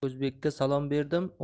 o'zbekka salom berdim